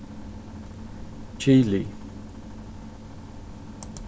kili